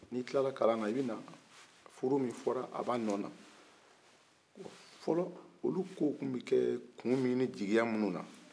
ni tila la kalan na i bi na furu min fɔra a ba nɔ na fɔlɔ olu kow tun bi kɛ kun min ni jigiya min na